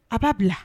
A b'a bila